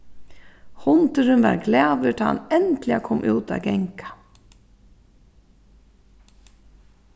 hundurin varð glaður tá hann endiliga kom út at ganga